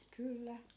kyllä